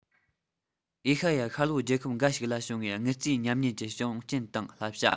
ཨེ ཤ ཡ ཤར ལྷོའི རྒྱལ ཁབ འགའ ཞིག ལ བྱུང བའི དངུལ རྩའི ཉམས ཉེན གྱི བྱུང རྐྱེན དང བསླབ བྱ